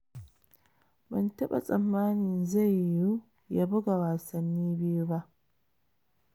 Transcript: Ban taɓa tsammanin zai yiwu ya buga wasanni biyu ba.